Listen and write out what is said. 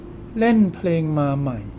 เล่นเพลงมาใหม่